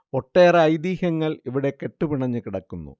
ഒട്ടെറെ ഐതിഹ്യങ്ങൾ ഇവിടെ കെട്ടു പിണഞ്ഞു കിടക്കുന്നു